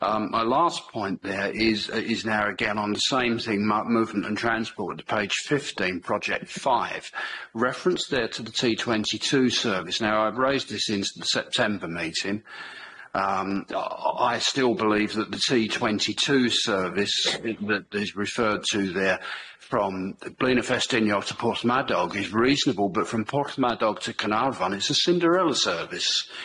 Yym my last point there is is now again on the same thing m- movement and transport page fifteen, project five reference there to the T twenty two service. Now I've raised this since the September meeting, yym do- I still believe that the T twenty two service that is referred to there from Blaenau Ffestiniog to Porthmadog is reasonable but from Porthmadog to Cynarfon it's a Cinderella service.